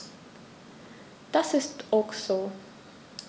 Das ist ok so.